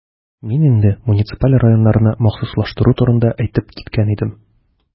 Мин инде муниципаль районнарны махсуслаштыру турында әйтеп киткән идем.